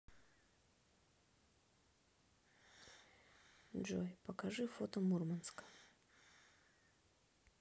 джой покажи фото мурманска